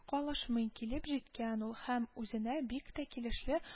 Калышмый килеп җиткән ул һәм үзенә бик тә килешле